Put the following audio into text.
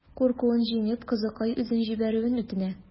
Куркуын җиңеп, кызыкай үзен җибәрүен үтенә.